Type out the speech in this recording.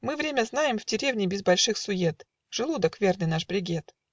Мы время знаем В деревне без больших сует: Желудок - верный наш брегет